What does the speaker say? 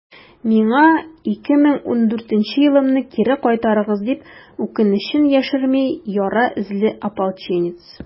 «миңа 2014 елымны кире кайтарыгыз!» - дип, үкенечен яшерми яра эзле ополченец.